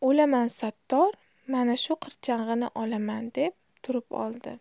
o'laman sattor mana shu qirchang'ini olaman deb turib oldi